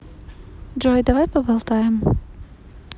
джой давай поболтаем